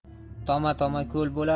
toma toma ko'l bo'lar